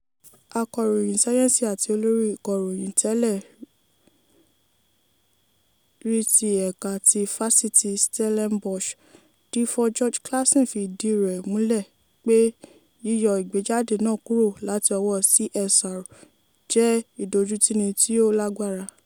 Akọ̀ròyìn sáyẹ́ǹsì àti olórí ìkọ̀ròyìn tẹ́lẹ̀ rí ti ẹ̀ka ti Fáṣítì Stellenbosch, D4 George Claasen fi ìdí rẹ̀ múlẹ̀ pé yíyọ ìgbéjáde náà kúrò láti ọwọ́ CSR jẹ́ "ìdójútini tí ó lágbára".